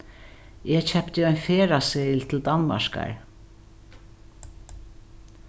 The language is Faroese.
eg keypti ein ferðaseðil til danmarkar